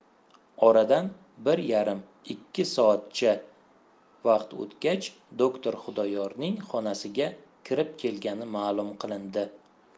oradan bir yarim ikki soatcha vaqt o'tgach doktor xudoyorning xonasiga kirib ketgani ma'lum qilindi